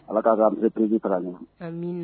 Ala k'a' ka maitrise kalanen amina